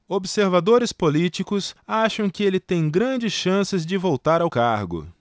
observadores políticos acham que ele tem grandes chances de voltar ao cargo